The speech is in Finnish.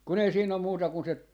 kun ei siinä ole muuta kuin se